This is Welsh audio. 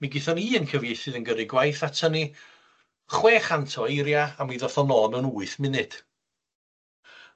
Mi gaethon ni un cyfieithydd yn gyrru gwaith aton ni chwe chant o eiria' a mi ddoth o nôl mewn wyth munud.